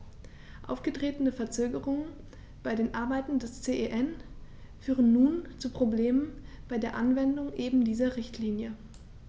Aufgetretene Verzögerungen bei den Arbeiten des CEN führen nun zu Problemen bei der Anwendung eben dieser Richtlinie.